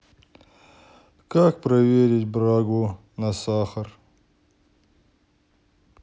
как проверить брагу на сахар